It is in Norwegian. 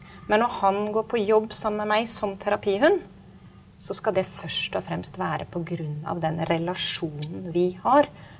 men når han går på jobb sammen med meg som terapihund, så skal det først og fremst være pga. den relasjonen vi har.